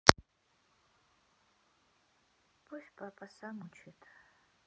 пусть папа сам учит